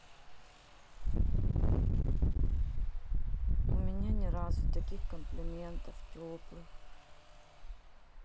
у меня ни разу таких комплиментов теплых